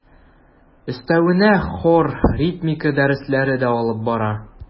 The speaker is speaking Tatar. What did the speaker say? Өстәвенә хор, ритмика дәресләре дә алып бара.